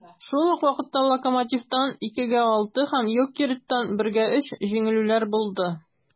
Шул ук вакытта "Локомотив"тан (2:6) һәм "Йокерит"тан (1:3) җиңелүләр булды.